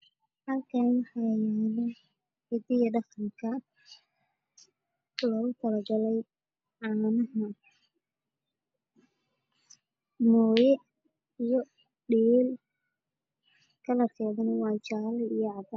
Halkaan waxaa yaalo sariir iyo joorari ay ku hurdaan caruur yar oo guriga joogo